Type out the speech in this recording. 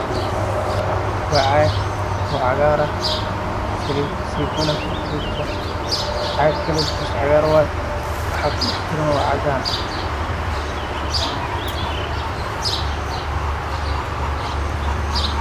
Waa caagad shaambo ah oo cagaar ah